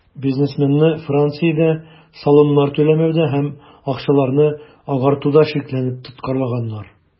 Бизнесменны Франциядә салымнар түләмәүдә һәм акчаларны "агартуда" шикләнеп тоткарлаганнар.